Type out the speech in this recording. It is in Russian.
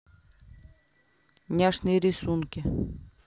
няшные рисунки